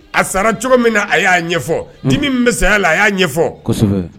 A sara cogo min na a y'a ɲɛfɔ di min bɛ saya la a y'a ɲɛfɔ